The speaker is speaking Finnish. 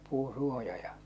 puun suoja ja